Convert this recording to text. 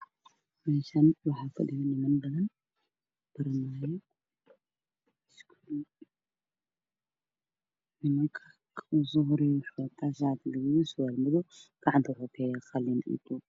Meeshaani waxaa fadhiyo niman badan baranaayo iskuul nimanka ka ugu soo horeeyo waxa uu wataa shaati gaduud surwaal madow gacanta waxa uu ku heeyaa qalin iyo buuk